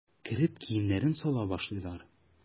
Кереп киемнәрен сала башлыйлар.